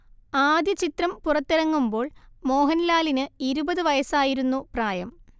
ആദ്യ ചിത്രം പുറത്തിറങ്ങുമ്പോൾ മോഹൻലാലിന് ഇരുപത് വയസ്സായിരുന്നു പ്രായം